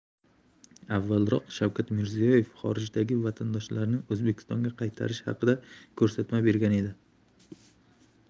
avvalroq shavkat mirziyoyev xorijdagi vatandoshlarni o'zbekistonga qaytarish haqida ko'rsatma bergan edi